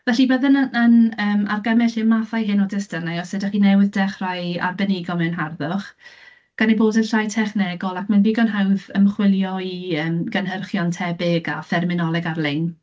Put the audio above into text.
Felly byddwn yn yn yym argymell i'r mathau hyn o destunau os ydych chi newydd dechrau arbenigo mewn harddwch, gan eu bod yn llai technegol ac mae'n ddigon hawdd ymchwilio i yym gynhyrchion tebyg a therminoleg ar-lein.